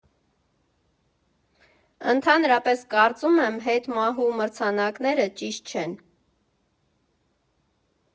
Ընդհանրապես կարծում եմ՝ հետմահու մրցանակները ճիշտ չեն։